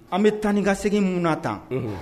An bɛ tan ni ka segin mun na tan